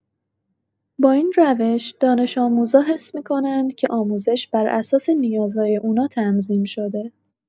با این روش دانش‌آموزا حس می‌کنن که آموزش بر اساس نیازای اونا تنظیم شده.